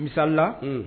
Misali la,